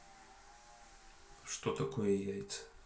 что такое яйца